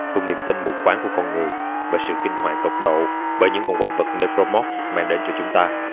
cùng niềm tin mù quáng của con người và sự kinh hoàng tột độ bởi những con quái vật necromorph mang đến cho chúng ta